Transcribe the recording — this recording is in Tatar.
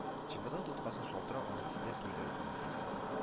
Чемодан тоткасын шалтырату аны тиздән туйдырды, ахрысы